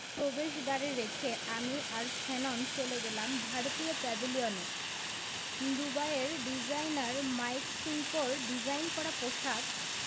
প্রবেশদ্বারে রেখে আমি আর শ্যানন চলে গেলাম ভারতীয় প্যাভিলিয়নে দুবাইয়ের ডিজাইনার মাইক সিঙ্কোর ডিজাইন করা পোশাক